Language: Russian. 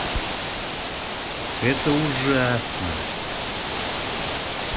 это ужасно